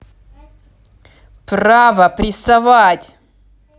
право прессовать